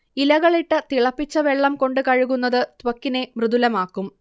ഇലകളിട്ട തിളപ്പിച്ച വെള്ളം കൊണ്ടു കഴുകുന്നത് ത്വക്കിനെ മൃദുലമാക്കും